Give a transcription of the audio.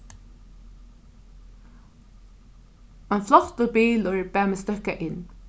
ein flottur bilur bað meg støkka inn